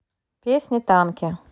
песни танки